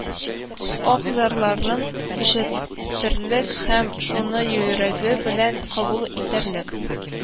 Аһ-зарларын ишетерлек һәм шуны йөрәге белән кабул итәрлек,